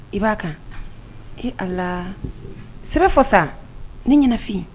I b'a kan e Ala sɛbɛ fɔ sa ne ɲɛnafin?